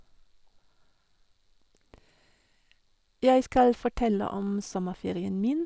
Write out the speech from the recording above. Jeg skal fortelle om sommerferien min.